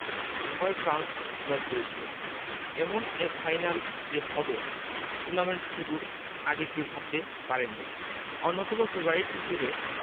হয় ফ্রান্স নয় ক্রোয়েশিয়া এমন এক ফাইনাল যে হবে টুর্নামেন্ট শুরুর আগে কেউ ভাবতে পারেননি অন্যতম ফেভারিট হিসেবে